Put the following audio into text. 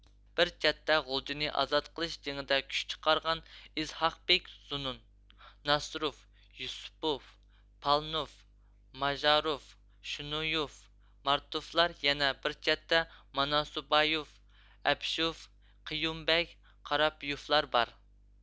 بىر چەتتە غۇلجىنى ئازاد قىلىش جېڭىدە كۈچ چىقارغان ئىسھاقبېك زۇنۇن ناسىروف يۈسۈپوف پالىنوف ماژاروف شونويوف مارتوفلار يەنە بىر چەتتە ماناسبايوف ئەبىشوف قېيۇمبەگ قارپىيوفلاربار